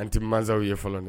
An tɛ masaw ye fɔlɔ dɛɛ